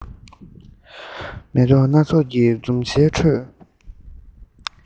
མེ ཏོག སྣ ཚོགས ཀྱི འཛུམ ཞལ ཁྲོད